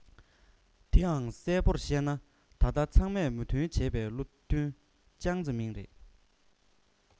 དེའང གསལ པོ བཤད ན ད ལྟ ཚང མས མོས མཐུན བྱས པའི བློ ཐུན ཅང ཙེ མིང རེད